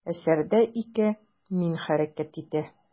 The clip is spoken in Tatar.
Әсәрдә ике «мин» хәрәкәт итә.